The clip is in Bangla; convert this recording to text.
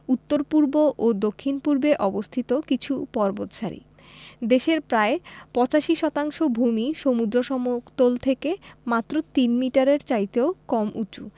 উত্তর পূর্ব ও দক্ষিণ পূর্বে অবস্থিত কিছু পর্বতসারি দেশের প্রায় 85 শতাংশ ভূমিই সমুদ্র সমতল থেকে মাত্র তিন মিটারের চাইতেও কম উঁচু